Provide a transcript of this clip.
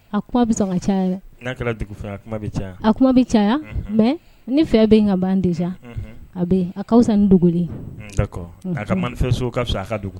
A a bɛ ca a kuma bɛ caya mɛ ni fɛn bɛ ka ban di a bɛ a'awsan dogo a ka so fisa a ka